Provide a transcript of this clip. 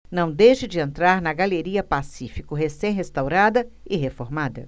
não deixe de entrar na galeria pacífico recém restaurada e reformada